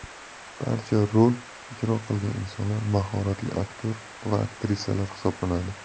barcha rol ijro qilgan insonlar mahoratli aktyor va aktrisalar hisoblanadi